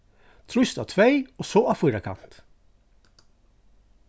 trýst á tvey og so á fýrakant